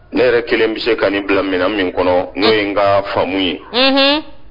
Ne yɛrɛ kelen bɛ se ka nin bila minɛn min kɔnɔ n'o ye n ka faamu ye, unhun